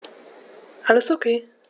Alles OK.